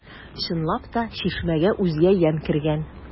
Чынлап та, чишмәгә үзгә ямь кергән.